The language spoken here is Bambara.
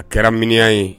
A kɛra mini ye